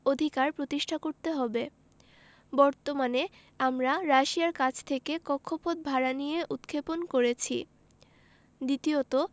অধিকার প্রতিষ্ঠা করতে হবে বর্তমানে আমরা রাশিয়ার কাছ থেকে কক্ষপথ ভাড়া নিয়ে উৎক্ষেপণ করেছি দ্বিতীয়ত